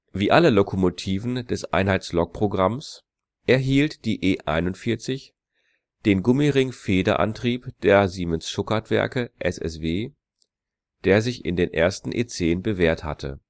Wie alle Lokomotiven des Einheitslokprogramms erhielt die E 41 den Gummiringfeder-Antrieb der Siemens-Schuckertwerke (SSW), der sich in den ersten E 10 bewährt hatte